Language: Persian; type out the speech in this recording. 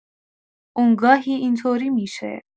اون گاهی این‌طوری می‌شه.